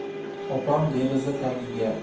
opam deraza tagiga